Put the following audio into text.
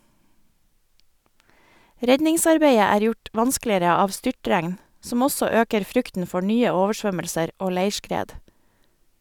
Redningsarbeidet er gjort vanskeligere av styrtregn , som også øker frykten for nye oversvømmelser og leirskred.